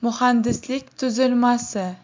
muhandislik tuzilmasi